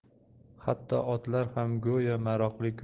hatto otlar ham go'yo maroqli